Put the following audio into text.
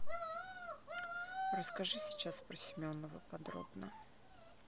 расскажи сейчас про семенова подробно